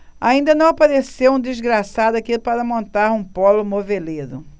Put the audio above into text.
ainda não apareceu um desgraçado aqui para montar um pólo moveleiro